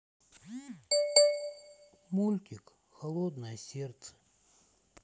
мультик холодное сердце